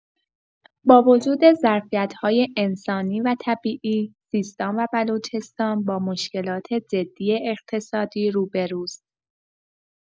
با وجود ظرفیت‌های انسانی و طبیعی، سیستان و بلوچستان با مشکلات جدی اقتصادی روبه‌روست.